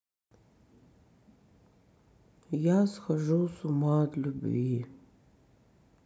я схожу с ума от любви